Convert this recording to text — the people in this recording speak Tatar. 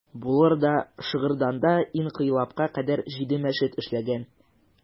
Булыр да, Шыгырданда инкыйлабка кадәр җиде мәчет эшләгән.